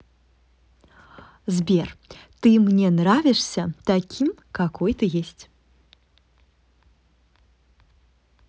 сбер ты мне нравишься таким какой ты есть